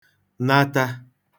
nata